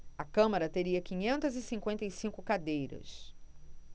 a câmara teria quinhentas e cinquenta e cinco cadeiras